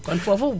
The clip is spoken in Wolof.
kon foofu